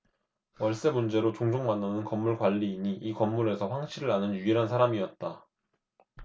월세 문제로 종종 만나는 건물 관리인이 이 건물에서 황씨를 아는 유일한 사람이었다